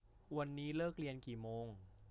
วันนี้เลิกเรียนกี่โมง